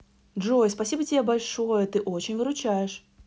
джой спасибо тебе большое ты очень выручаешь